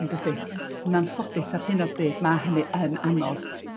yndydi? On' anffodus ar hyn o bryd ma' hynny yn anodd.